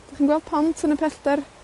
'Dych chi'n gweld pont yn y pellter?